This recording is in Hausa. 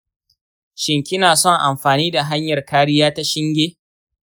shin kina son anfani da hanyar kariya ta shinge?